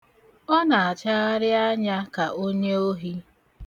Ọ na-achagharị anya ka onye ohi.